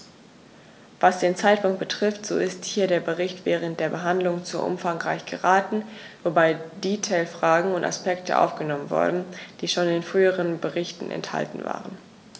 Was den Zeitpunkt betrifft, so ist hier der Bericht während der Behandlung zu umfangreich geraten, wobei Detailfragen und Aspekte aufgenommen wurden, die schon in früheren Berichten enthalten waren.